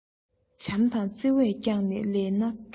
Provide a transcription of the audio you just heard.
བྱམས དང བརྩེ བས བསྐྱངས ནས ལས སྣ དྲོངས